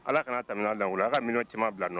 Ala kana tɛmɛ la a ka minɛn camanma bila nɔ